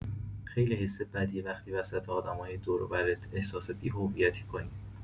خیلی حس بدیه وقتی وسط آدمای دور و برت احساس بی‌هویتی کنی.